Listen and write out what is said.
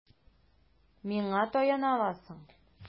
Миңа таяна аласың.